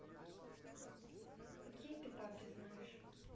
а какие ты папе знаешь